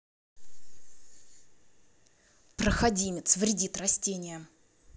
проходимец вредит растениям